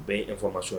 Bɛɛ ye information